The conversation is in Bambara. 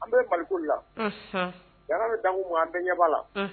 An bɛ Mali ko de la, unhun, jamana bɛ dangu min kan an bɛ ɲɛ b'o la, un.